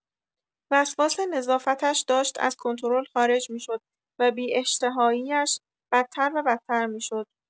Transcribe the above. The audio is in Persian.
وسواس نظافتش داشت از کنترل خارج می‌شد و بی‌اشتهایی‌اش بدتر و بدتر می‌شد.